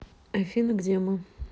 афина где мы